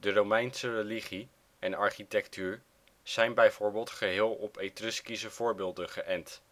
Romeinse religie en architectuur zijn bijvoorbeeld geheel op Etruskische voorbeelden geënt